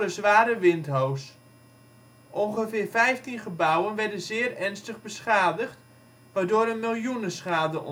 zware windhoos. Ongeveer vijftien gebouwen werden zeer ernstig beschadigd, waardoor een miljoenenschade